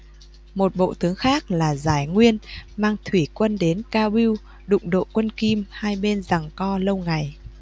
một bộ tướng khác là giải nguyên mang thủy quân đến cao bưu đụng độ quân kim hai bên giằng co lâu ngày